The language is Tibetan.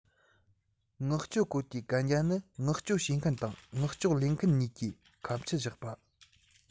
མངགས བཅོལ སྐོར གྱི གན རྒྱ ནི མངགས བཅོལ བྱེད མཁན དང མངགས བཅོལ ལེན མཁན གཉིས ཀྱིས ཁ ཆད བཞག པ